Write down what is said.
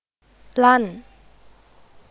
ลั่น